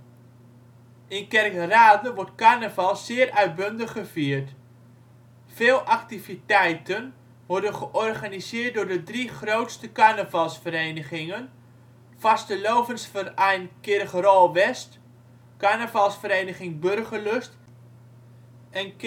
Kerkrade wordt carnaval zeer uitbundig gevierd. Veel activiteiten worden georganiseerd door de drie grootste carnavalsverenigingen: Vasteloavendsverain Kirchroa west, Karnavalsvereniging Burgerlust en